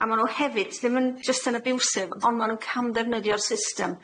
A ma' nhw hefyd ddim yn jyst yn abusive on' ma' nhw'n camddefnyddio'r system.